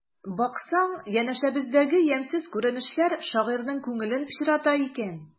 Баксаң, янәшәбездәге ямьсез күренешләр шагыйрьнең күңелен пычрата икән.